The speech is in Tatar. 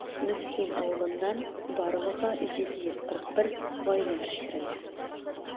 Мөслим авылыннан барлыгы 741 гаилә күчерелә.